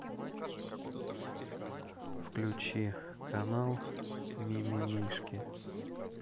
включи канал мимимишки